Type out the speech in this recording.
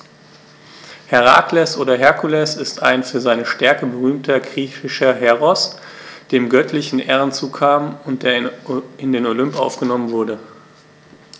Herakles oder Herkules ist ein für seine Stärke berühmter griechischer Heros, dem göttliche Ehren zukamen und der in den Olymp aufgenommen wurde.